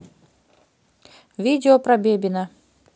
видео про бебина